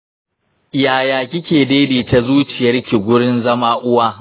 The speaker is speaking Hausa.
yaya kike daidaita zuciyarki gurin zama uwa?